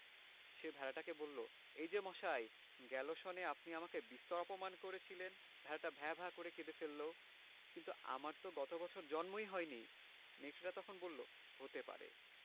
সে ভেড়াটাকে বলল এই যে মশাই গেল সনে আপনি আমাকে বিস্তর অপমান করেছিলেন ভেড়াটা ভ্যাঁ করে কেঁদে ফেলল কিন্তু আমার তো গত বছর জন্মই হয়নি নেকড়েটা তখন বলে হতে পারে